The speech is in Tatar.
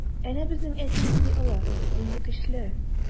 Әнә безнең әти нинди олы, нинди көчле.